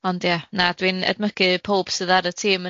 Yym, ond ia, na, dwi'n edmygu powb sydd ar y tîm,